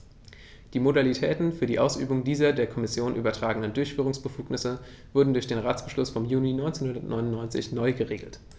Die Modalitäten für die Ausübung dieser der Kommission übertragenen Durchführungsbefugnisse wurden durch Ratsbeschluss vom Juni 1999 neu geregelt.